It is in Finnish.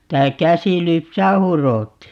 sitä käsin lypsää hurottiin